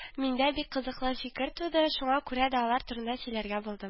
Миндә бик кызыклы фикер туды, шуңа күрә дә алар турында сөйләргә булдым